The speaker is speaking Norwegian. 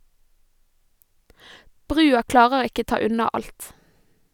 Brua klarer ikke ta unna alt.